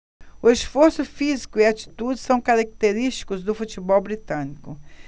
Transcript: o esforço físico e a atitude são característicos do futebol britânico